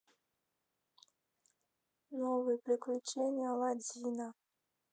новые приключения аладдина